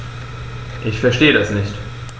Ich verstehe das nicht.